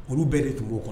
Olu bɛɛ de tun b'o kɔnɔ